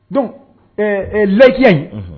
Don laki